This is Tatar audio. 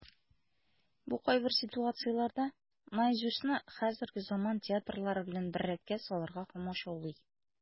Бу кайбер ситуацияләрдә "Наизусть"ны хәзерге заман театрылары белән бер рәткә салырга комачаулый.